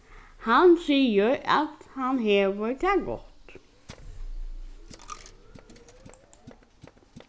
hann sigur at hann hevur tað gott